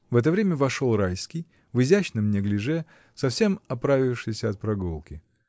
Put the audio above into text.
В это время вошел Райский в изящном неглиже, совсем оправившийся от прогулки.